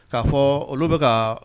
K'a fɔ olu bɛ ka